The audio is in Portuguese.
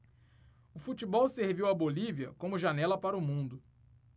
o futebol serviu à bolívia como janela para o mundo